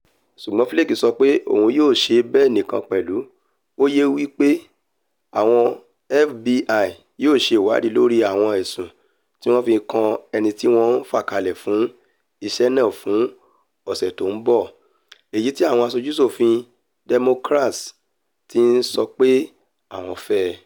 Ṣùgbọ́n Flake sọ pé òun yóò ṣe bẹ́ẹ̀ nìkan pẹ̀lú òye wí pé àwọn FBI yóò ṣe ìwáàdì lórí àwọn ẹ̀sùn tí wọ́n fi kan ẹnití wọ́n fàkalẹ̀ fún iṣẹ́ náà fún ọ̀sẹ̀ tó ń bọ̀, èyití àwọn aṣojú-ṣòfin Democrats ti ń sọ pé àwọn ń fẹ́.